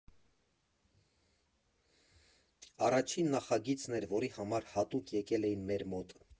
Առաջին նախագիծն էր, որի համար հատուկ եկել էին մեր մոտ։